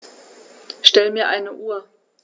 Stell mir eine Uhr.